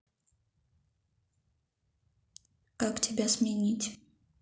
как тебя сменить